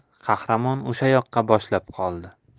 qahramon o'sha yoqqa boshlab qoldi